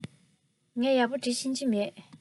ངས ཡག པོ འབྲི ཤེས ཀྱི མེད